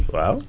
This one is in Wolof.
waaw